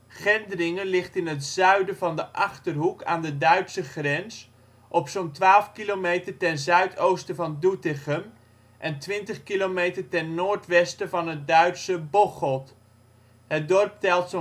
Gendringen ligt in het zuiden van de Achterhoek aan de Duitse grens, op zo 'n 12 kilometer ten zuidoosten van Doetinchem en 20 km ten noordwesten van het Duitse Bocholt. Het dorp telt